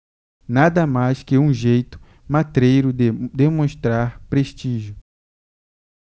nada mais que um jeito matreiro de demonstrar prestígio